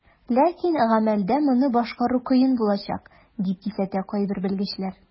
Ләкин гамәлдә моны башкару кыен булачак, дип кисәтә кайбер белгечләр.